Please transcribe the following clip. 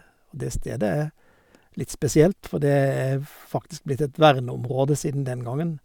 Og det stedet er litt spesielt, for det er faktisk blitt et verneområde siden den gangen.